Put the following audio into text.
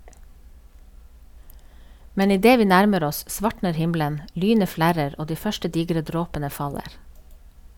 Men idet vi nærmer oss, svartner himmelen, lynet flerrer, og de første digre dråpene faller.